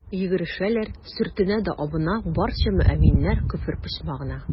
Йөгерешәләр, сөртенә дә абына, барча мөэминнәр «Көфер почмагы»на.